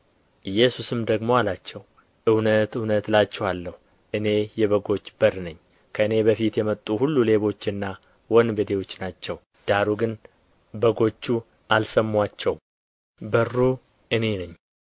ኢየሱስም ደግሞ አላቸው እውነት እውነት እላችኋለሁ እኔ የበጎች በር ነኝ ከእኔ በፊት የመጡ ሁሉ ሌቦችና ወንበዴዎች ናቸው ዳሩ ግን በጎቹ አልሰሙአቸውም በሩ እኔ ነኝ